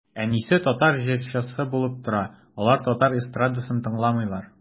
Әнисе татар җырчысы була торып, алар татар эстрадасын тыңламыйлар.